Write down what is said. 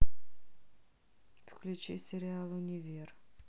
включи сериал универ